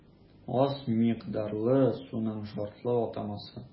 Аз микъдарлы суның шартлы атамасы.